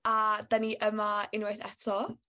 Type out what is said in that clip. A 'dan ni yma unwaith eto